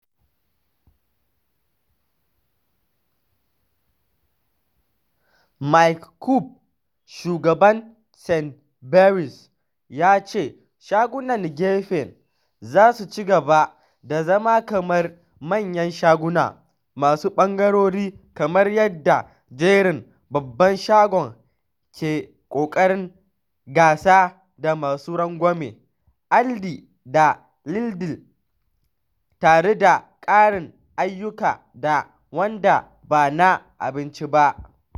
Mike Coupe, shugaban Sainsbury's, ya ce shagunan gefen za su ci gaba da zama kamar manyan shaguna masu ɓangarori kamar yadda jerin babban shagon ke ƙoƙarin gasa da masu rangwame Aldi da Lidl tare da ƙarin ayyuka da wanda ba na abinci ba.